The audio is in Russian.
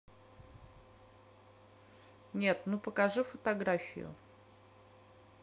нет ну покажи фотографию